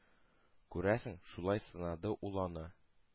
Күрәсең, шулай сынады ул аны,